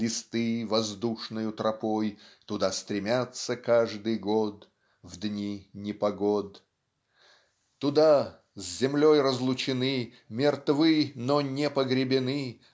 Листы воздушною тропой Туда стремятся каждый год В дни непогод. Туда с землей разлучены Мертвы но не погребены